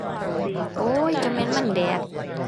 โอ้ย จั่งแม่นมันแดด